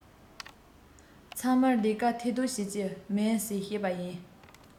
ཚང མའི ལས ཀར ཐེ གཏོགས བྱེད ཀྱི མིན ཟེར བཤད པ ཡིན